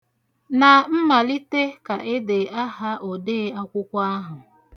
Na mmalite ka ede aha odee akwụkwọ ahụ.